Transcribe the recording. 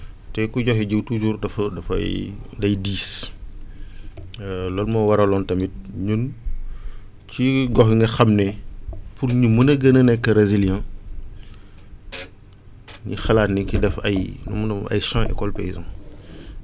te ku joxe jiw toujours dafa dafay day diis loolu moo waraloon tamit ñun ci gox yi nga xam ne pour ñu mën a gën a nekk résiliant ñu xalaat ne ki def ay nu mu ay champs école paysan